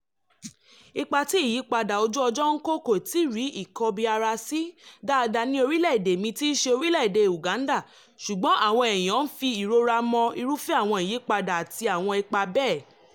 Ipa tí ìyípadà ojú ọjọ́ ń kó kò tíì rí ìkọbi-ara-sí daada ní orílẹ̀-èdè mi tí í ṣe orílẹ̀-èdè Uganda ṣùgbọ́n àwọn èèyàn ń fi ìrora mọ irúfẹ́ àwọn ìyípadà àti àwọn ipa bẹ́ẹ̀.